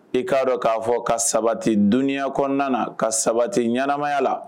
I k'a dɔn k'a fɔ ka sabati dunya kɔnɔna na ka sabati ɲɛnamaya la